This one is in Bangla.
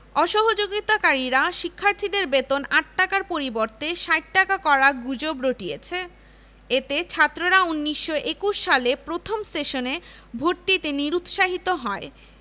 অসহযোগিতাকারীরা শিক্ষার্থীদের বেতন ৮ টাকার পরিবর্তে ৬০ টাকা করার গুজব রটিয়েছে এতে ছাত্ররা ১৯২১ সালে প্রথম সেশনে ভর্তিতে নিরুৎসাহিত হয়